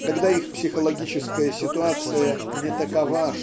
когда их психологическая ситуация не такова